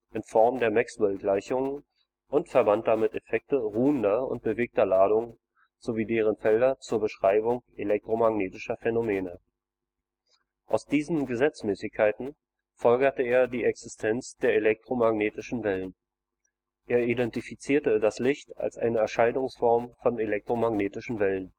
in Form der Maxwell-Gleichungen und verband damit Effekte ruhender und bewegter Ladungen sowie deren Felder zur Beschreibung elektromagnetischer Phänomene. Aus diesen Gesetzmäßigkeiten folgerte er die Existenz der elektromagnetischen Wellen. Er identifizierte das Licht als eine Erscheinungsform von elektromagnetischen Wellen